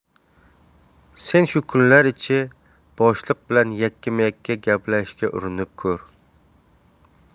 sen shu kunlar ichi boshliq bilan yakkama yakka gaplashishga urinib ko'r